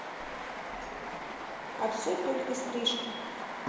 а все только стрижка